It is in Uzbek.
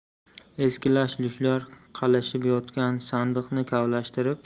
eski lash lushlar qalashib yotgan sandiqni kavlashtirib